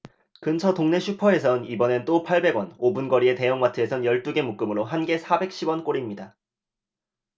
근처 동네 슈퍼에선 이번엔 또 팔백 원 오 분 거리의 대형마트에선 열 두 개 묶음으로 한 개 사백 십 원꼴입니다